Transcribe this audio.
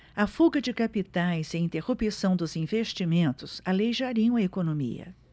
a fuga de capitais e a interrupção dos investimentos aleijariam a economia